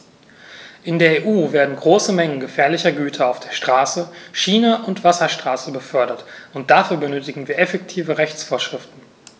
In der EU werden große Mengen gefährlicher Güter auf der Straße, Schiene und Wasserstraße befördert, und dafür benötigen wir effektive Rechtsvorschriften.